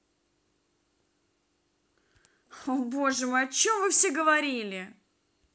о боже мой о чем вы все говорили